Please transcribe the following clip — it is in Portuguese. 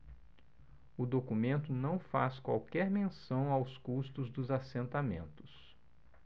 o documento não faz qualquer menção aos custos dos assentamentos